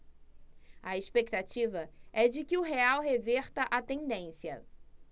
a expectativa é de que o real reverta a tendência